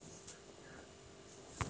шатунов юрий